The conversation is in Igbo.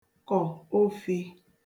kọ̀ ofē